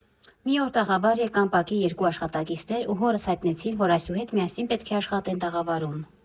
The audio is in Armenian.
Մի օր տաղավար եկան ՊԱԿ֊ի երկու աշխատակիցներ ու հորս հայտնեցին, որ այսուհետ միասին պետք է աշխատեն տաղավարում։